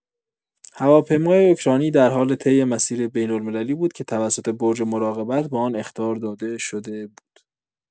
هواپیمای اوکراینی در حال طی مسیر بین‌المللی بود که توسط برج مراقبت به آن اخطار داده شده بود.